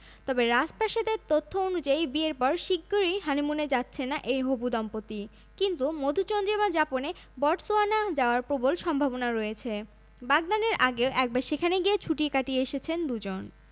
বিয়ের আলোকচিত্রী উইন্ডসর ক্যাসেলে বিয়ের আনুষ্ঠানিকতা হয়ে গেলে জনপ্রিয় আলোকচিত্রী অ্যালেক্সি লুবোমির্সকি প্রিন্স হ্যারি ও মেগান মার্কেলের বিয়ের আনুষ্ঠানিক ছবি তুলবেন